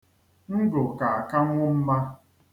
Ngụ ka akanwụ mma.